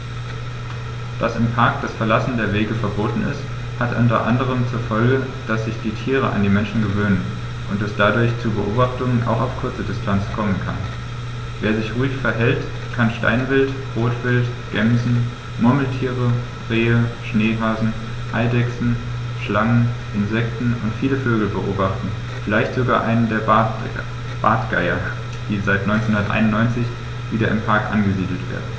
Dass im Park das Verlassen der Wege verboten ist, hat unter anderem zur Folge, dass sich die Tiere an die Menschen gewöhnen und es dadurch zu Beobachtungen auch auf kurze Distanz kommen kann. Wer sich ruhig verhält, kann Steinwild, Rotwild, Gämsen, Murmeltiere, Rehe, Schneehasen, Eidechsen, Schlangen, Insekten und viele Vögel beobachten, vielleicht sogar einen der Bartgeier, die seit 1991 wieder im Park angesiedelt werden.